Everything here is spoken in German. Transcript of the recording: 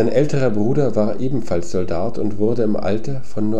älterer Bruder war ebenfalls Soldat und wurde im Alter von